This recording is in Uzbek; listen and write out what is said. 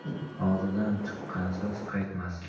og'izdan chiqqan so'z qaytmas